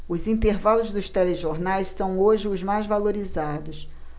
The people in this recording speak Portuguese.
os intervalos dos telejornais são hoje os mais valorizados